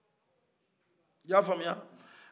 i y'a faamuya